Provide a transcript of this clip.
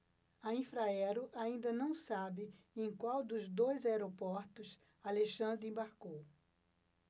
a infraero ainda não sabe em qual dos dois aeroportos alexandre embarcou